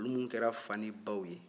minnu kɛra fa ni baw ye